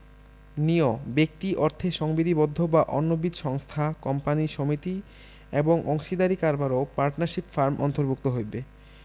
ঞ ব্যক্তি অর্থে সংবিধিবদ্ধ বা অন্যবিধ সংস্থা কোম্পানী সমিতি এবং অংশীদারী কারবারও পার্টনারশিপ ফার্ম অন্তর্ভুক্ত হইবে